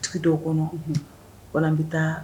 Sigi dɔw kɔnɔ wala an bɛ taa